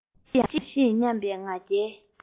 ཅི ཡང ཤེས སྙམ པའི ང རྒྱལ